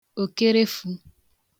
òkerefū